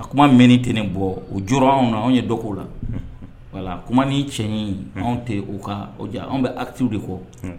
A kuma mɛn ni tɛ ne bɔ. O jora anw na anw ye dɔ k'o la. Wala, kuma ni cɛnɲin anw tɛ o ka anw bɛ aktiw de kɔ.